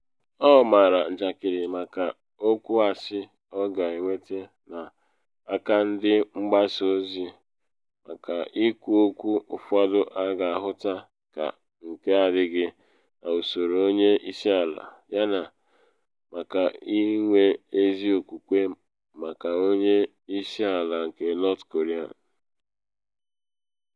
Ọ mara njakịrị maka okwu asị ọ ga-enweta n’aka ndị mgbasa ozi maka ikwu okwu ụfọdụ a ga-ahụta ka nke na adịghị “n’usoro onye isi ala” yana maka ịnwe ezi okwukwe maka onye isi ala nke North Korean.